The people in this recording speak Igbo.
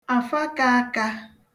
àfakāakā